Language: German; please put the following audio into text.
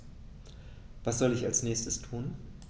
Was soll ich als Nächstes tun?